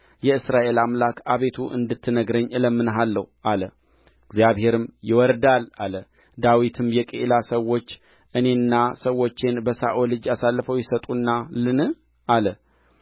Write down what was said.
የእስራኤል አምላክ አቤቱ እንድትነግረኝ እለምንሃለሁ አለ እግዚአብሔርም ይወርዳል አለ ዳዊትም የቅዒላ ሰዎች እኔንና ሰዎቼን በሳኦል እጅ አሳልፈው ይሰጡናልን አለ